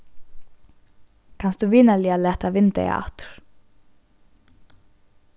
kanst tú vinarliga lata vindeygað aftur